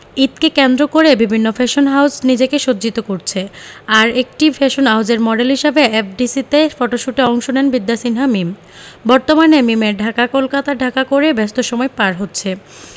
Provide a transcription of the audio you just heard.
ঈদকে কেন্দ্র করে বিভিন্ন ফ্যাশন হাউজ নিজেকে সজ্জিত করছে আর একটি ফ্যাশন হাউজের মডেল হিসেবে এফডিসিতে ফটোশ্যুটে অংশ নেন বিদ্যা সিনহা মীম বর্তমানে মিমের ঢাকা কলকাতা ঢাকা করে ব্যস্ত সময় পার হচ্ছে